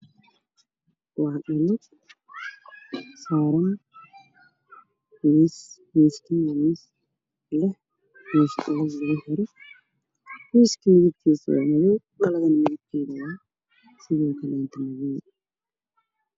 Waxaa ii muuqda dhalo midabkeedu yahay madow waxay saaran tahay wax madoob